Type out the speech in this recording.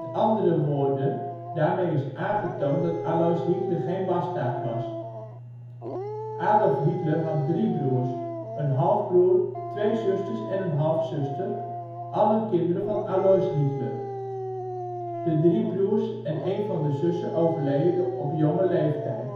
andere woorden: daarmee is aangetoond dat Alois Hitler geen bastaard was. Adolf Hitler had drie broers, een halfbroer, twee zusters en een halfzuster, allen kinderen van Alois Hitler. De drie broers en een van de zussen overleden op jonge leeftijd